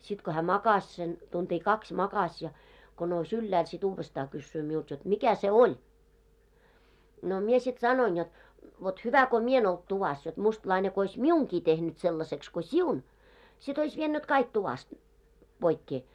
sitten kun hän makasi sen tuntia kaksi makasi ja kun nousi ylhäälle sitten uudestaan kysyy minulta jotta mikä se oli no minä sitten sanoin jotta vot hyvä kun minä en ollut tuvassa jotta mustalainen kun olisi minunkin tehnyt sellaiseksi kun sinun sitten olisi vienyt kaikki tuvasta poikkeen